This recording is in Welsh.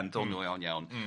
...doniol iawn iawn. M-hm.